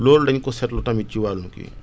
loolu dañ ko seetlu tamit ci wàllum kii